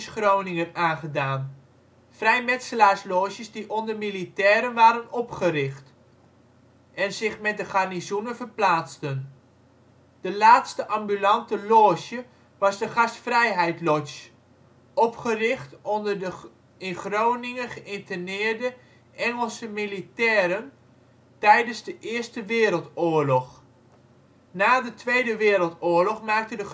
Groningen aangedaan, vrijmetselaarsloges die onder militairen waren opgericht en zich met de garnizoenen verplaatsten. De laatste ambulante loge was de " Gastvrijheid Lodge ", opgericht onder in Groningen geïnterneerde Engelse militairen tijdens de Eerste Wereldoorlog. Na de Tweede Wereldoorlog maakte de